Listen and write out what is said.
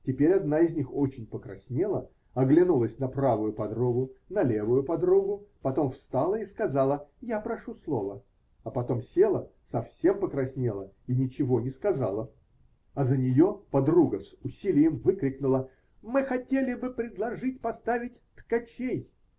Теперь одна из них очень покраснела, оглянулась на правую подругу, на левую подругу, потом встала и сказала: "Я прошу слова", потом села, совсем покраснела и ничего не сказала, а за нее подруга с усилием выкрикнула: -- Мы хотели бы предложить поставить "Ткачей".